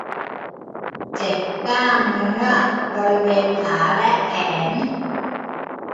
เจ็บกล้ามเนื้อบริเวณขาและแขน